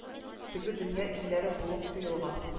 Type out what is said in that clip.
Теге дөнья илләре булып тоелган